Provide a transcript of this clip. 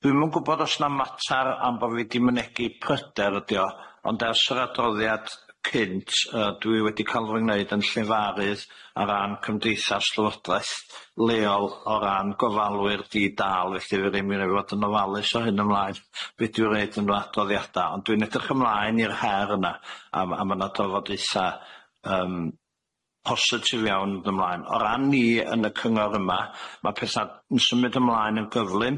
Dwi'm yn gwbod os na matar am bo' fi di mynegi pryder ydi o ond ers yr adroddiad cynt yy dwi wedi ca'l fy ngneud yn llefarydd ar ran cymdeithas Llywodraeth leol o ran gofalwyr di-dal felly fe ddim unewad yn ofalus o hyn ymlaen be' dwi'n roid yn yr adroddiada, ond dwi'n edrych ymlaen i'r her yna a m- a ma' na drafodeitha yym positif iawn yn ymlaen o ran ni yn y cyngor yma ma' petha yn symud ymlaen yn gyflym.